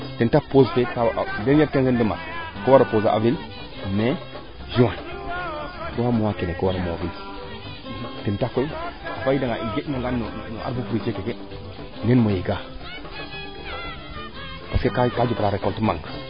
ten tax pojet ke ka waro teele avril Mai juin trois keene ko waro ñoow dit ten tax koy a griida ngaan no agriculture ke neen mo yega parce que kaa jega recolte maak